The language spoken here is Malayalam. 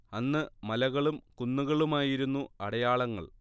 അന്ന് മലകളും കുന്നുകളുമായിരുന്നു അടയാളങ്ങൾ